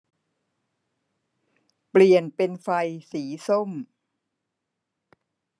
เปลี่ยนเป็นไฟสีส้ม